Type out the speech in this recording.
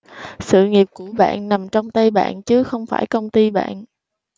sự nghiệp của bạn nằm trong tay bạn chứ không phải công ty bạn